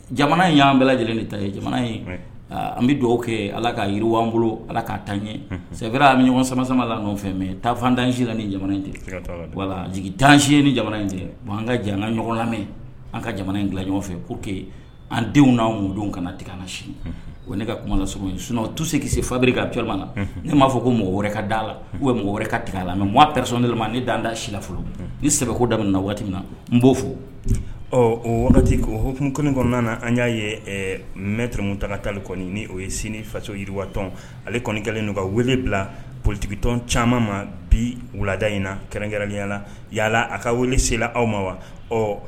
Jamana in y anan bɛɛ lajɛlen de ta ye jamana in an bɛ dɔw kɛ ala ka yiri anan bolo ala k'a taa ɲɛ sɛra ɲɔgɔn samamala ɲɔgɔn fɛ taafantancila ni jamana in cɛ jigi dansi ni jamana in cɛ wa an ka jan ɲɔgɔn lamɛn an ka jamana in ɲɔgɔn fɛ ko que an denw n'an kana tigɛ na si o ne ka kuma sogo sun o tu se se farima na ne m'a fɔ ko mɔgɔ wɛrɛ ka' a la u ye mɔgɔ wɛrɛ ka tigɛ a la mɛ mɔgɔ pɛsɔn ne ma ne danda si la nafolo ni sɛbɛko da na waati min na n b'o fo ɔ wagati hɔpumuk kɔnɔna na an y'a mɛ tmu ta taali kɔni ni o ye sini faso yiriwat ale kɔnikɛ' ka wele bila politigikitɔn caman ma bi wulada in na kɛrɛnkɛrɛnliyala yalala a ka weele senla aw ma wa